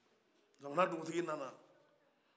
zamana dugutigi nana